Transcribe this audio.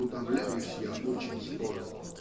утомляюсь я очень скоро".